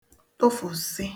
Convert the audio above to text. tụfụ̀sị̀